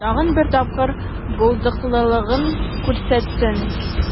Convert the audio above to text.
Тагын бер тапкыр булдыклылыгын күрсәтсен.